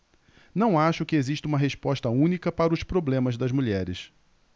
não acho que exista uma resposta única para os problemas das mulheres